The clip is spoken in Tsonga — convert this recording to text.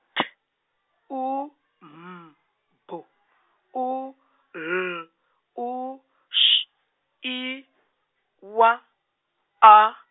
T, U, M, B, U, L, U, X, I , W, A.